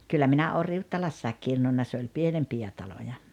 kyllä minä olen Riuttalassa kirnunnut se oli pienempiä taloja